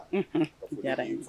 Un i diyara ye